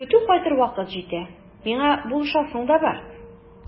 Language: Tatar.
Көтү кайтыр вакыт җитә, миңа булышасың да бар.